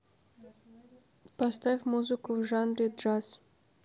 поставить музыку в жанре джаз